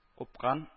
Купкан